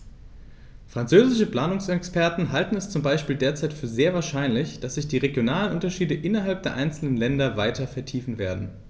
Französische Planungsexperten halten es zum Beispiel derzeit für sehr wahrscheinlich, dass sich die regionalen Unterschiede innerhalb der einzelnen Länder weiter vertiefen werden.